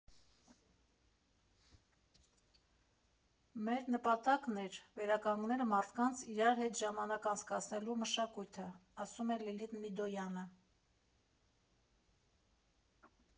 Մեր նպատակն էր վերականգնել մարդկանց՝ իրար հետ ժամանակ անցկացնելու մշակույթը»,֊ ասում է Լիլիթ Միդոյանը։